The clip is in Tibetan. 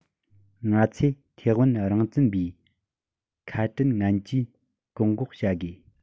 ང ཚོས ཐའེ ཝན རང བཙན པའི ཁ བྲལ ངན ཇུས བཀག འགོག བྱ དགོས